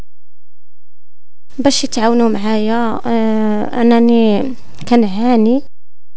بس يتعاونوا معايا اناني